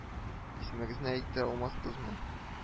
Исемегезне әйтә алмассызмы